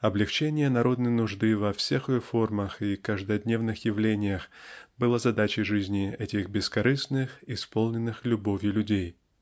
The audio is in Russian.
облегчение народной нужды во всех ее формах и каждодневных явлениях было задачей жизни этих бескорыстных исполненных любовью людей.